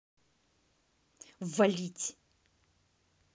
валить